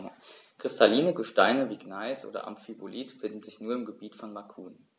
Kristalline Gesteine wie Gneis oder Amphibolit finden sich nur im Gebiet von Macun.